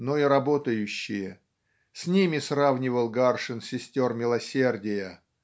но и работающие (с ними сравнивал Гаршин сестер милосердия)